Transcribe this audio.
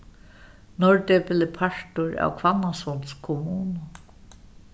norðdepil er partur av hvannasunds kommunu